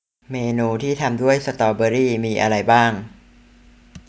เมนูที่ทำด้วยสตอเบอร์รี่มีอะไรบ้าง